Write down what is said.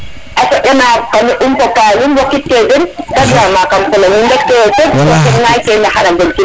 a soƴa na pame um fo palum wokid keyo den te balama kam xulangum ndet keyo sen to ten ngaay ke ndaxara god kin